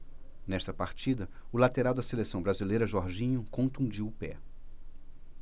nesta partida o lateral da seleção brasileira jorginho contundiu o pé